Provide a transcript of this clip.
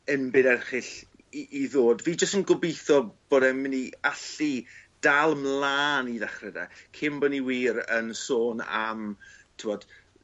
enbyd erchyll i i ddod fi jyst yn gobitho bod e myn' i allu dal mlan i ddechre 'de cyn bo' ni wir yn sôn am t'wod